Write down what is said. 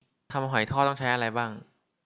ทำหอยทอดต้องใช้อะไรบ้าง